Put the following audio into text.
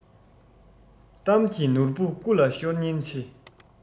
གཏམ གྱི ནོར བུ རྐུ ལ ཤོར ཉེན ཆེ